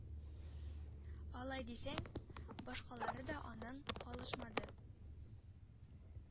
Алай дисәң, башкалары да аннан калышмады...